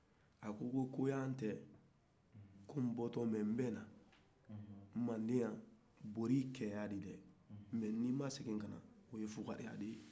a ko ko ko b'a cɛ ko n'bɔtɔ 'amis n'bɛ na mande ya boli bɛ cɛya la dehh amis ni nma segin ka na o fugoriya de ye